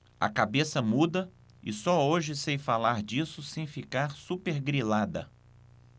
a cabeça muda e só hoje sei falar disso sem ficar supergrilada